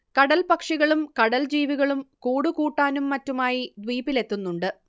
കടൽപ്പക്ഷികളും കടൽ ജീവികളും കൂടുകൂട്ടാനും മറ്റുമായി ദ്വീപിലെത്തുന്നുണ്ട്